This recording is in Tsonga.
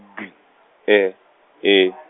G E E.